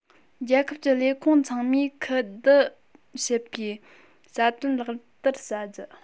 རྒྱལ ཁབ ཀྱི ལས ཁུངས ཚང མས ཁུ བསྡུ བྱེད པའི རྩ དོན ལག བསྟར བྱ རྒྱུ